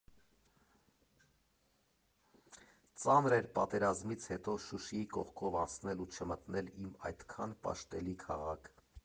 Ծանր էր պատերազմից հետո Շուշիի կողքով անցնել ու չմտնել իմ այդքան պաշտելի քաղաք …